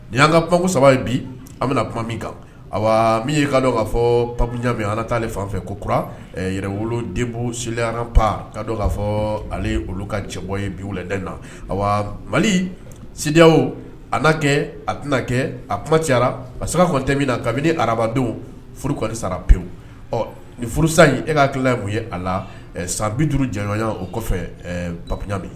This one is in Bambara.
Ni an ka pan saba ye bi an bɛna kuma min kan min ye ka kaa fɔ papijami an taaale fan ko kura yɛrɛ wolo denbo seli an pan ka k kaa fɔ ale olu ka cɛ ye bi na ayiwa mali sidadi a' kɛ a tɛna kɛ a kuma cayara a siratɛ min na kabini arabadenw furu sarara pewu ɔ nin furu san in e kaa tilala mun ye a la san bijuru janɲɔgɔnya o kɔfɛ papijami